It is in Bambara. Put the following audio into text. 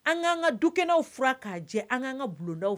An'an ka dukɛnɛw fura k'a jɛ an'an ka bulondaw